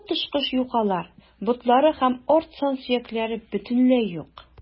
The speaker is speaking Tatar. Коточкыч юкалар, ботлары һәм арт сан сөякләре бөтенләй юк.